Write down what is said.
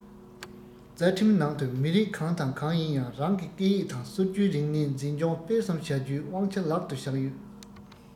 རྩ ཁྲིམས ནང དུ མི རིགས གང དང གང ཡིན ཡང རང གི སྐད ཡིག དང སྲོལ རྒྱུན རིག གནས འཛིན སྐྱོང སྤེལ གསུམ བྱ རྒྱུའི དབང ཆ ལག ཏུ བཞག ཡོད